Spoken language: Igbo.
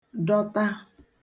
dọta